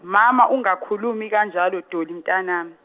mama ungakhulumi kanjalo Dolly mntanami.